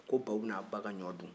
ko baw bɛna a ba ka ɲɔ dun